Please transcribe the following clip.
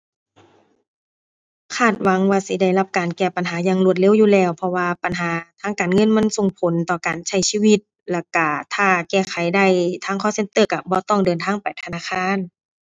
คาดหวังว่าสิได้รับการแก้ปัญหาอย่างรวดเร็วอยู่แล้ว เพราะว่าปัญหาทางการเงินมันส่งผลต่อการใช้ชีวิต แล้วก็ถ้าแก้ไขได้ทาง call center ก็บ่ต้องเดินทางไปธนาคาร